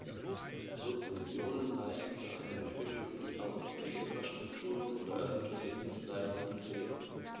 Subventionen reichen für eine Entwicklung nicht aus, wenn Infrastrukturen oder öffentliche Dienstleistungen fehlen.